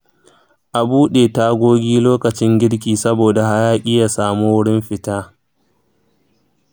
a bude tagogi lokacin girki saboda hayaki ya samu wurin fita